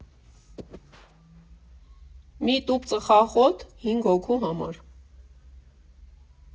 Մի տուփ ծխախոտ՝ հինգ հոգու համար։